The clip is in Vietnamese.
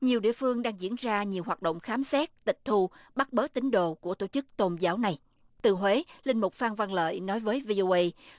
nhiều địa phương đang diễn ra nhiều hoạt động khám xét tịch thu bắt bớ tín đồ của tổ chức tôn giáo này từ huế linh mục phan văn lợi nói với vi ô uây